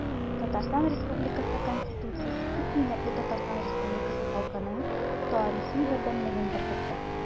Татарстан Республикасы Конституциясе күпмилләтле Татарстан Республикасы халкының тарихы бердәмлеген беркетте.